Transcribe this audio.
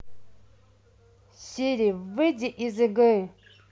сири выйди из игры